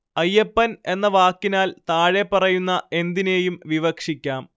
അയ്യപ്പനെന്ന വാക്കിനാല്‍ താഴെപ്പറയുന്ന എന്തിനേയും വിവക്ഷിക്കാം